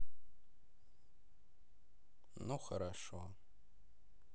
ну хорошо